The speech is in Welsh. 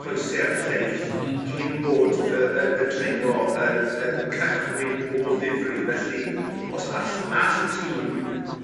coese'r lleill... M-hm. ...cyn bod y y y dringo yn yn cychwyn o ddifri felly os all all y tîm